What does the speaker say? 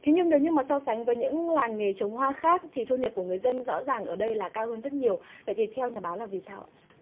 nhưng nếu như mà so sánh với những làng nghề trồng hoa khác thì thu nhập của người dân rõ ràng ở đây là cao hơn rất nhiều phải đi theo nhà báo là vì sao ạ